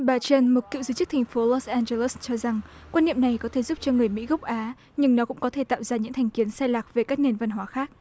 bà giên một cựu giáo chức thành phố lốt an giơ lét cho rằng quan niệm này có thể giúp cho người mỹ gốc á nhưng nó cũng có thể tạo ra những thành kiến sai lạc về các nền văn hóa khác